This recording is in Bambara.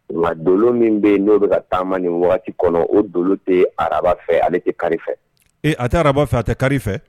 Nka don min bɛ yen n'o bɛ ka taama nin kɔnɔ o do tɛ araba fɛ ale tɛ kari ee a tɛ araba fɛ a tɛ kari